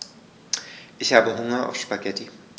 Ich habe Hunger auf Spaghetti.